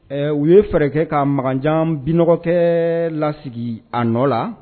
Ɛ u ye fɛ ka makanjan biɔgɔkɛ lasigi a nɔ la